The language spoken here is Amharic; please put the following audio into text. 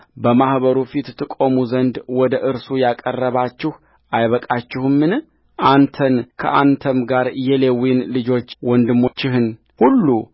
በማኅበሩ ፊት ትቆሙ ዘንድ ወደ እርሱ ያቀረባችሁ አይበቃችሁምን አንተን ከአንተም ጋር የሌዊን ልጆች ወንድሞችህን ሁሉ